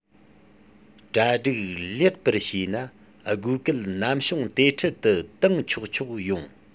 གྲ སྒྲིག ལེགས པར བྱས ན དགོས གལ ནམ བྱུང དེ འཕྲལ དུ བཏང ཆོག ཆོག ཡོང